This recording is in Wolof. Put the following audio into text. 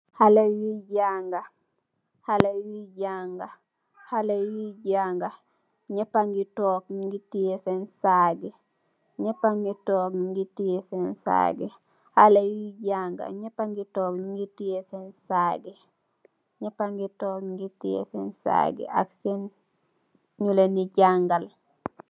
Xaleh yui janga xaleh yui janga xaleh yui janga nyeepa gi tog nyu gi teyeh sen saag yi nyeepa gi tog nyu gi teyeh sen saag yi xaleh yui janga nyeepa gi tog nyu gi teyeh sen saag nyeepa gi tog nyu gi teyeh sen saag yi ak sen nyu len di jangal.